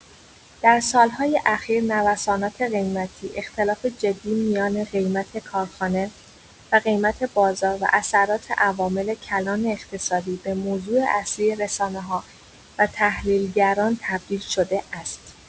در سال‌های اخیر، نوسانات قیمتی، اختلاف جدی میان قیمت کارخانه و قیمت بازار، و اثرات عوامل کلان اقتصادی به موضوع اصلی رسانه‌ها و تحلیل‌گران تبدیل شده است.